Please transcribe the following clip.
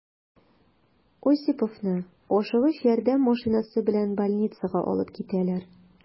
Осиповны «Ашыгыч ярдәм» машинасы белән больницага алып китәләр.